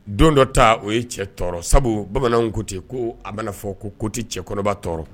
Don dɔ ta o ye cɛ tɔɔrɔ sabu bamananw ko ten, ko a mana fɔ ko ko tɛ cɛ kɔnɔba tɔɔrɔ